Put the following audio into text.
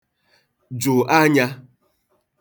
jụ̀ anyā